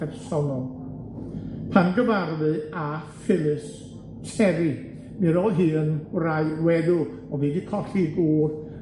personol, pan gyfarfu â Phyllis Terry, mi ro'dd hi yn wraig weddw, o'dd 'i 'di colli 'i gŵr